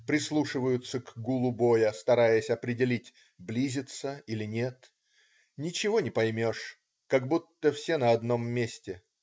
Прислушиваются к гулу боя, стараясь определить: близится иль нет? Ничего не поймешь. Как будто все на одном месте.